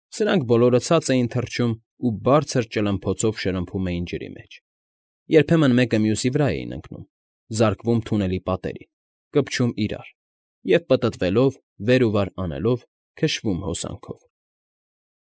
Սրանք բոլորը ցած էին թռչում ու բարձր ճլմփոցով շրմփում էին ջրի մեջ, երբեմն մեկը մյուսի վրա էին ընկնում, զարկվում թունելի պատերին, կպչում իրար և, պտտվելով, վեր ու վար անելով, քշվում հոսանքով։